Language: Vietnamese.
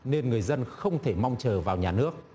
nên người dân không thể mong chờ vào nhà nước